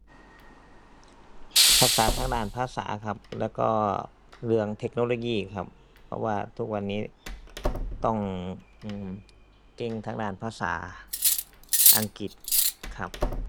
ทักษะทางด้านภาษาครับ แล้วก็เรื่องเทคโนโลยีครับ เพราะว่าทุกวันนี้ต้อง อือ เก่งทางด้านภาษาอังกฤษครับ